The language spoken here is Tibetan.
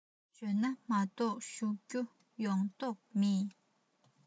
བྱོན ན མ གཏོགས བཞུགས རྒྱུ ཡོང གཏོགས མེད